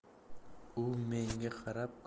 u menga qarab